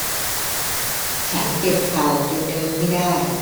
ฉันเจ็บเข่าจนเดินไม่ได้